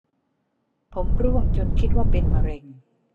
ผมร่วงจนคิดว่าเป็นมะเร็ง